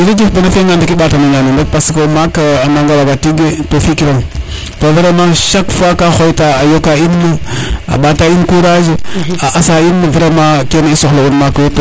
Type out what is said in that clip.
jerejef bona fiya ngan rek i ɓata no ñanal rek parce que o maak a nanga waga tig to fi kiran to vraiment chaque fois ka xooy ta a yoqa in a ɓata in courage a asa in vraiment :frav kene i soxla u no maak we